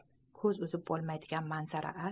ko'z uzib bo'lmaydigan manzara